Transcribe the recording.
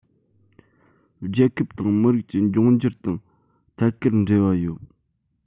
རྒྱལ ཁབ དང མི རིགས ཀྱི འབྱུང འགྱུར དང ཐད ཀར འབྲེལ བ ཡོད